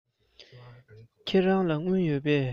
ཁྱེད རང ལ དངུལ ཡོད པས